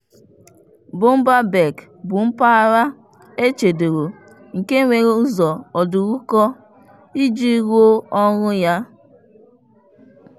Boumba Bek bụ mpaghara echedoro nke nwere ụzọ ọdụrụkọ iji rụọ ọrụ ya.